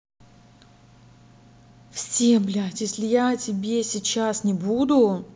все блядь если я тебе сейчас не буду